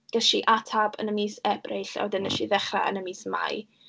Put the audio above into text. Ges i ateb yn y mis Ebrill a wedyn wnes i ddechrau yn y mis Mai.